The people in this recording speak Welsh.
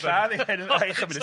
...lladd